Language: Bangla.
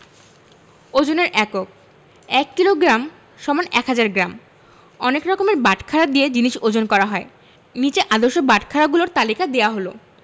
ওজনের এককঃ ১ কিলোগ্রাম = ১০০০ গ্রাম অনেক রকমের বাটখারা দিয়ে জিনিস ওজন করা হয় নিচে আদর্শ বাটখারাগুলোর তালিকা দেয়া হলঃ